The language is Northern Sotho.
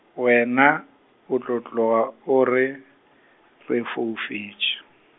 wena, o tlo tloga o re, re foufetše.